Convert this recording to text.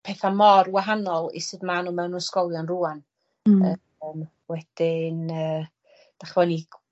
petha mor wahanol i sud ma' nw mewn yr ysgolion rŵan. Hmm. Yy yym wedyn yy dych ch'mo' yn 'i